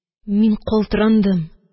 Мин калтырандым